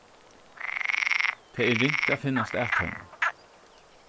tað er ringt at finnast at teimum